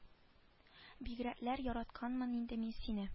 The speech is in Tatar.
Бигрәкләр яратканмын инде мин сине